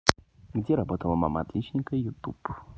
где работала мама отличника youtube